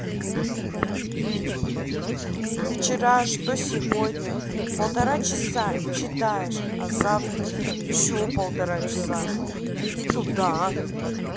вчера что сегодня полтора часа читаешь а завтра еще полтора часа иди туда